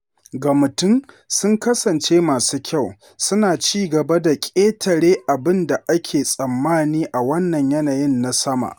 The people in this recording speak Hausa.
Ga mutum, sun kasance masu kyau, suna ci gaba da ƙetare abin da ake tsammani a wannan yanayin na sama.